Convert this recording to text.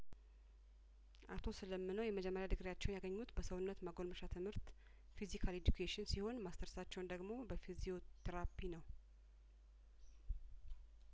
አቶስ ለምነው የመጀመሪያ ዲግሪያቸውን ያገኙት በሰውነት ማጐልመሻ ትምህርት ፊዚካል ኤዲኩዌሽን ሲሆን ማስተርሳቸውን ደግሞ በፊዚዮቴራፒ ነው